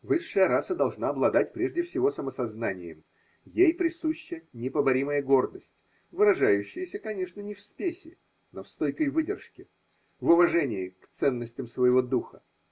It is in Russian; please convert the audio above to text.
Высшая раса должна обладать прежде всего самосознанием: ей присуща непоборимая гордость, выражающаяся, конечно, не в спеси, но в стойкой выдержке, в уважении к ценностям своего духа.